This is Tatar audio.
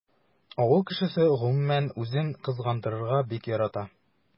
Авыл кешесе гомумән үзен кызгандырырга бик ярата.